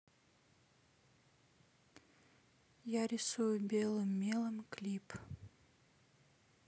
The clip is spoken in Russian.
я рисую белым мелом клип